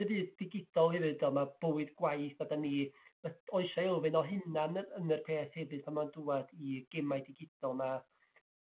Dydi digidol hefyd fel ma' bywyd gwaith 'a 'dan ni yrr oes 'a elfyn o hunain yn yn yr peth hefyd pan ma'n dŵad i gemau digidol 'ma?